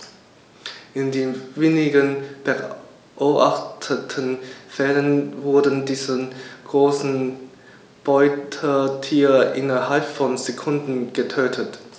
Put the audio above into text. In den wenigen beobachteten Fällen wurden diese großen Beutetiere innerhalb von Sekunden getötet.